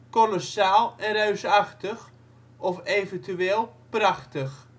kolossaal en reusachtig (of eventueel: prachtig